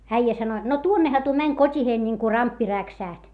äijä sanoi jotta no tuonnehan tuo meni kotiin niin kuin ramppi räksähti